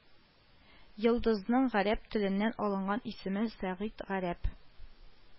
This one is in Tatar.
Йолдызның гарәп теленнән алынган исеме Сагыйд гарәп